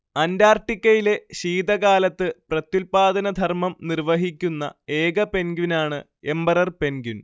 അന്റാർട്ടിക്കയിലെ ശീതകാലത്ത് പ്രത്യുൽപാദനധർമ്മം നിർവഹിക്കുന്ന ഏക പെൻഗ്വിനാണ് എമ്പറർ പെൻഗ്വിൻ